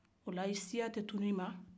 o la i siya tɛ tunun i ma